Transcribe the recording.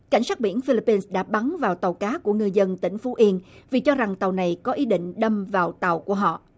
cảnh sát biển phi líp pin đã bắn vào tàu cá của ngư dân tỉnh phú yên vì cho rằng tàu này có ý định đâm vào tàu của họ